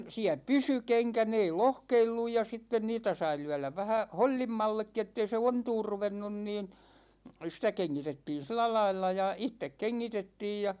siellä pysyi kenkä ne ei lohkeillut ja sitten niitä sai lyödä vähän hollimmallekin että ei se ontumaan ruvennut niin sitä kengitettiin sillä lailla ja itse kengitettiin ja